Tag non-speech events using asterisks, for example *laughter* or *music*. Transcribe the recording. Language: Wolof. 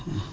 *hesitation*